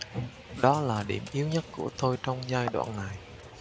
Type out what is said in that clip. đó là điểm yếu nhất của tôi trong giai đoạn này